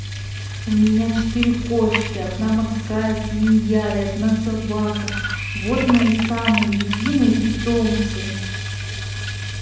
у меня четыре кошки одна морская свинья и одна собака вот мои самые любимые питомцы